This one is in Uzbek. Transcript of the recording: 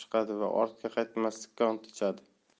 chiqadi va ortga qaytmaslikka ont ichadi